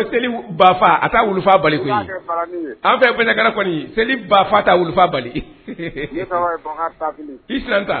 seli bafa bali bɛ seli ba faa wufa bali ita